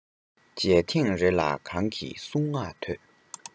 མཇལ ཐེངས རེ ལ གང གི གསུང ངག ཐོས